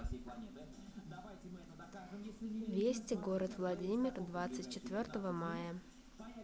вести город владимир двадцать четвертого мая